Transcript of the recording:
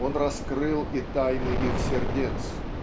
он раскрыл и тайны их сердец.